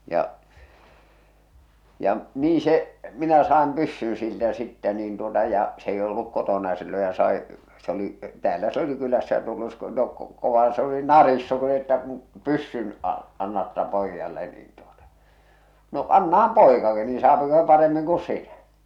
ja ja niin se minä saan pyssyn siltä sitten niin tuota ja se ei ollut kotona ja silloin ja sai se oli täällä se oli kylässä ja tullut --- kovaa se oli narissut että kun pyssyn - annatte pojalle niin tuot no annahan poikakin niin saako se paremmin kuin sinä